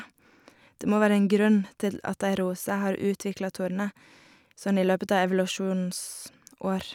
Det må være en grunn til at ei rose har utvikla torner sånn i løpet av evolusjonens år.